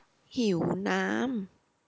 หิวน้ำ